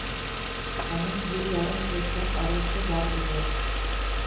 Аның җир ярым чәчкән арышы бар иде